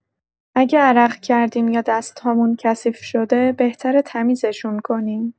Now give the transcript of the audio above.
اگه عرق کردیم یا دست‌هامون کثیف شده، بهتره تمیزشون کنیم.